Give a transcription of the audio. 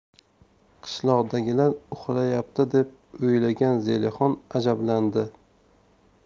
qishloqdagilar uxlayapti deb o'ylagan zelixon ajablandi